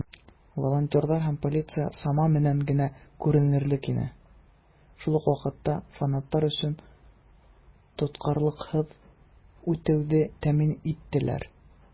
Волонтерлар һәм полиция чама белән генә күренерлек иде, шул ук вакытта фанатлар өчен тоткарлыксыз үтүне тәэмин иттеләр.